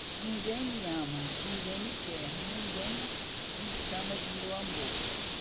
ninguém me ama ninguém me quer ninguém me chama de meu amor